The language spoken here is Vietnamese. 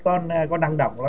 có có năng đọc lắm